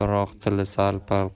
biroq tili sal pal